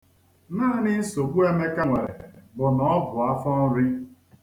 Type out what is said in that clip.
Naanị nsogbu Emeka nwere bụ na ọ bụ afọnri.